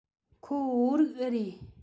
ཁོ བོད རིགས འེ རེད